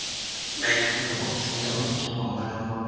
đây cũng là mức tăng cao nhất trong vòng ba năm qua